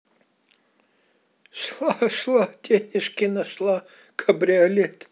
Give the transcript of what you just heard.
шла шла денежки нашла кабриолет